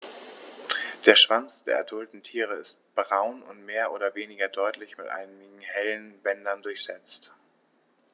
Der Schwanz der adulten Tiere ist braun und mehr oder weniger deutlich mit einigen helleren Bändern durchsetzt.